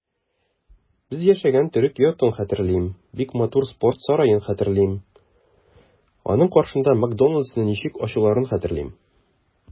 Без яшәгән төрек йортын хәтерлим, бик матур спорт сараен хәтерлим, аның каршында "Макдоналдс"ны ничек ачуларын хәтерлим.